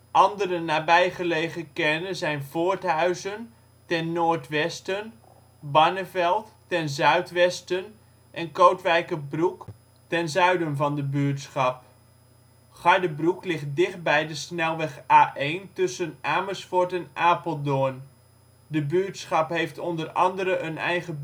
Andere nabijgelegen kernen zijn Voorthuizen (ten noordwesten), Barneveld (ten zuidwesten) en Kootwijkerbroek (ten zuiden van de buurtschap). Garderbroek ligt dichtbij de snelweg A1 tussen Amersfoort en Apeldoorn. De buurtschap heeft onder andere een eigen